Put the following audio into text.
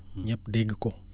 ñëpp dégg ko